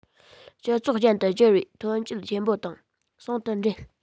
སྤྱི ཚོགས ཅན དུ གྱུར པའི ཐོན སྐྱེད ཆེན པོ དང ཟུང དུ འབྲེལ